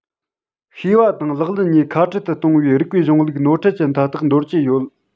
ཤེས པ དང ལག ལེན གཉིས ཁ བྲལ དུ གཏོང བའི རིགས པའི གཞུང ལུགས ནོར འཁྲུལ ཅན མཐའ དག འདོར གྱི ཡོད